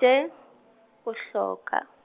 tše, bohlokwa.